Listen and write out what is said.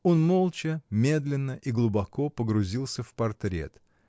Он молча, медленно и глубоко погрузился в портрет.